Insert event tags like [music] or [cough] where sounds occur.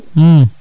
[smacks lips]